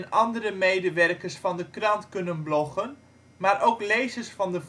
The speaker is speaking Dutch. andere medewerkers van de krant kunnen bloggen, maar ook lezers van de